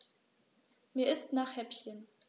Mir ist nach Häppchen.